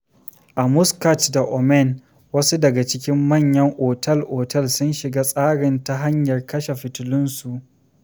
A Muscat da Omen, wasu daga cikin manyan otel-otel sun shiga tsarin ta hanyar kashe fitulunsu.